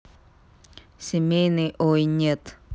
семейный ой нет